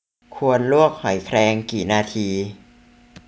ควรลวกหอยแครงกี่นาที